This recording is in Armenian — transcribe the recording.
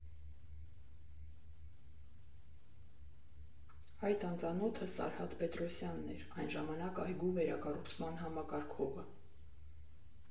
Այդ անծանոթը Սարհատ Պետրոսյանն էր, այն ժամանակ այգու վերակառուցման համակարգողը։